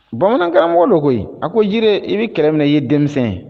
Bamanan karamɔgɔ don ko a ko jiri i bɛ kɛlɛ minɛ i ye denmisɛn